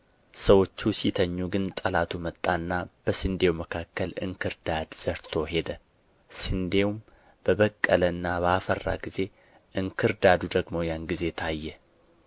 ሰዎቹ ሲተኙ ግን ጠላቱ መጣና በስንዴው መካከል እንክርዳድን ዘርቶ ሄደ ስንዴውም በበቀለና በአፈራ ጊዜ እንክርዳዱ ደግሞ ያን ጊዜ ታየ